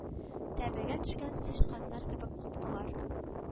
Тәбегә төшкән сычканнар кебек каптылар